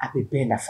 Aw bɛ bɛn nafa